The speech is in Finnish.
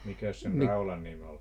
mikäs sen raudan nimi oli